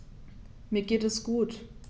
Mir geht es gut.